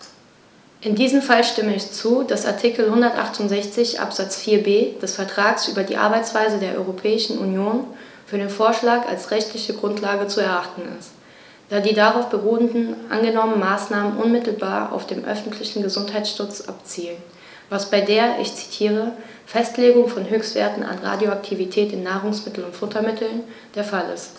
In diesem Fall stimme ich zu, dass Artikel 168 Absatz 4b des Vertrags über die Arbeitsweise der Europäischen Union für den Vorschlag als rechtliche Grundlage zu erachten ist, da die auf darauf beruhenden angenommenen Maßnahmen unmittelbar auf den öffentlichen Gesundheitsschutz abzielen, was bei der - ich zitiere - "Festlegung von Höchstwerten an Radioaktivität in Nahrungsmitteln und Futtermitteln" der Fall ist.